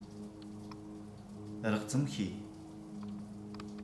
རགས ཙམ ཤེས